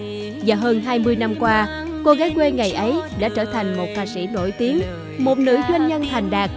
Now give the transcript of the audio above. và hơn hai mươi năm qua cô gái quê ngày ấy đã trở thành một ca sĩ nổi tiếng một nữ doanh nhân thành đạt